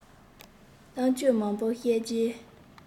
གཏམ རྒྱུད མང པོ བཤད རྗེས